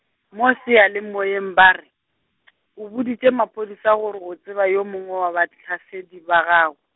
mo seyalemoyeng ba re , o boditše maphodisa gore o tseba yo mongwe wa bahlasedi ba gago.